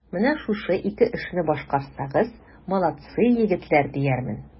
Менә шушы ике эшне башкарсагыз, молодцы, егетләр, диярмен.